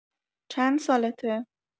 چن سالته؟